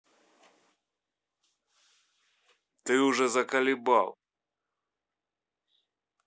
ты уже заколебал